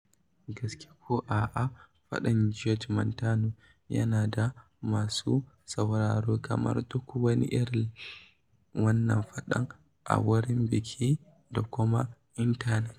Gaske ko a'a, faɗan George/Montano yana da masu sauraro kamar duk wani irin wannan faɗan, a wurin bikin da kuma a intanet.